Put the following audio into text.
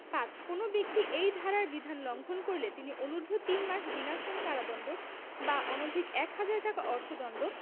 ৫ কোন ব্যক্তি এই ধারার বিধান লংঘন করিলে তিনি অনুর্ধ্ব তিনমাস বিনাশ্রম কারদন্ড বা অনধিক এক হাজার টাকা অর্থদন্ড